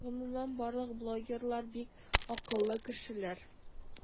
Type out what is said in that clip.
Гомумән барлык блогерлар - бик акыллы кешеләр.